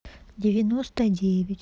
девяносто девять